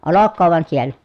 olkoon vain siellä